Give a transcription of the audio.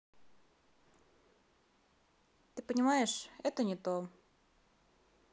ты понимаешь это не то